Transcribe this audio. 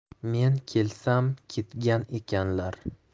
men kelsam ketgan ekanlar